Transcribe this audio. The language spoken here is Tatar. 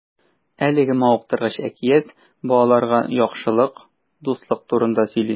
Әлеге мавыктыргыч әкият балаларга яхшылык, дуслык турында сөйли.